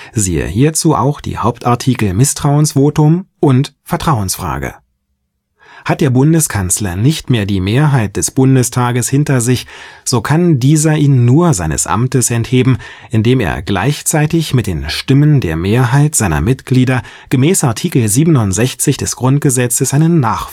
→ Hauptartikel: Misstrauensvotum, Vertrauensfrage Hat der Bundeskanzler nicht mehr die Mehrheit des Bundestages hinter sich, so kann dieser ihn nur seines Amtes entheben, indem er gleichzeitig mit den Stimmen der Mehrheit seiner Mitglieder einen Nachfolger wählt (Art. 67 GG). Der